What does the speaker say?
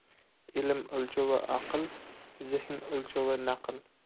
ilm o'lchovi aql zehn o'lchovi naql